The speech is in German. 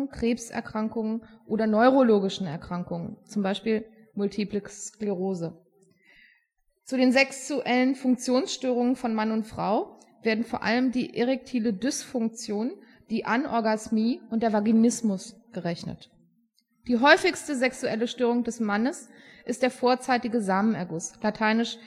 Krebserkrankungen oder neurologischen Erkrankungen (z.B. Multiple Sklerose). Zu den sexuelle Funktionsstörungen von Mann und Frau werden vor allem die erektile Dysfunktion, die Anorgasmie und der Vaginismus gerechnet. Die häufigste sexuelle Störung des Mannes ist der vorzeitige Samenerguss (lat.